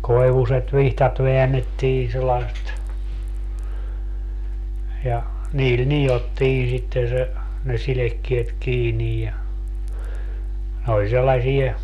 koivuiset vihdat väännettiin sellaiset ja niillä nidottiin sitten se ne sidekkeet kiinni ja ne oli sellaisia